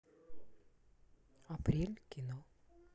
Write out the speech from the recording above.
апрель кино